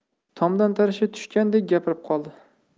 tomdan tarasha tushgandek gapirib qoldi